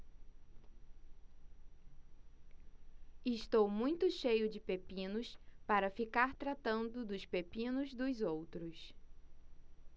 estou muito cheio de pepinos para ficar tratando dos pepinos dos outros